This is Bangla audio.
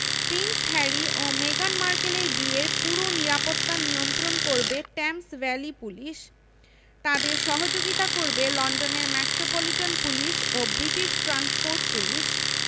প্রিন্স হ্যারি ও মেগান মার্কেলের বিয়ের পুরো নিরাপত্তা নিয়ন্ত্রণ করবে টেমস ভ্যালি পুলিশ তাঁদের সহযোগিতা করবে লন্ডনের মেট্রোপলিটন পুলিশ ও ব্রিটিশ ট্রান্সপোর্ট পুলিশ